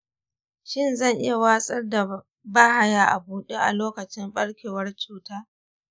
shin zan iya watsar da bahaya a buɗe a lokacin ɓarkewar cuta?